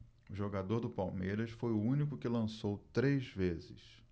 o jogador do palmeiras foi o único que lançou três vezes